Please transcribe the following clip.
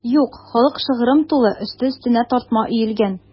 Юк, халык шыгрым тулы, өсте-өстенә тартма өелгән.